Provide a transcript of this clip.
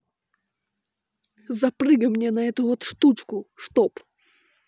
за прыгай мне на вот эту штучку чтоб